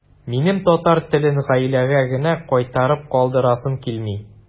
Минем татар телен гаиләгә генә кайтарып калдырасым килми.